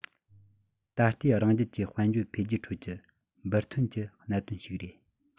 ད ལྟའི རང རྒྱལ གྱི དཔལ འབྱོར འཕེལ རྒྱས ཁྲོད ཀྱི འབུར ཐོན གྱི གནད དོན ཞིག རེད